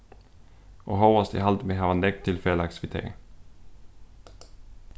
og hóast eg haldi meg hava nógv til felags við tey